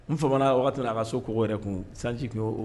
N fa wagati n'a ka so kɔ yɛrɛ kun sanji tun o